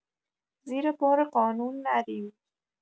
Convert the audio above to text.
زیر بار قانون نریم